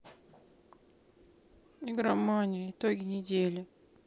игромания итоги недели